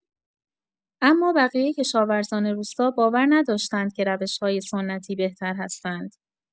اما بقیه کشاورزان روستا باور نداشتند که روش‌های سنتی بهتر هستند.